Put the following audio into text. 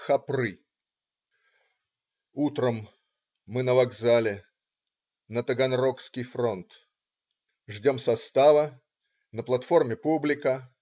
Хопры Утром. Мы на вокзале. На Таганрогский фронт. Ждем состава. На платформе публика.